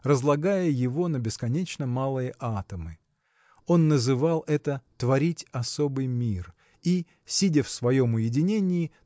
разлагая его на бесконечно малые атомы. Он называл это творить особый мир и сидя в своем уединении